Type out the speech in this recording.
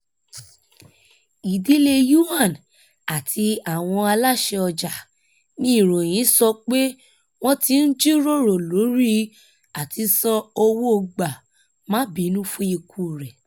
Ìdíle Yuan àti àwọn aláṣẹ ọjà ni ìròyìn sọ pé wọn ti ńjíròrò lórí àti san owó gbà-maá-bínu fún ikú rẹ̀.